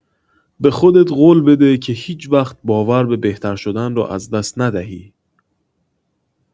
به خودت قول بده که هیچ‌وقت باور به بهتر شدن را از دست ندهی.